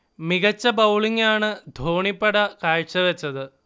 മികച്ച ബൌളിംഗ് ആണ് ധോണിപ്പട കാഴ്ച വെച്ചത്